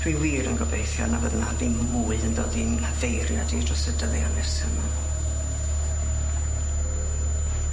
Dwi wir yn gobeithio na fydd 'na ddim mwy yn dod i'n nghyfeiriad i dros y dyddia' nesa 'ma.